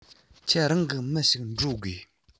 ཁྱེད རང གི མི ཞིག འགྲོ དགོས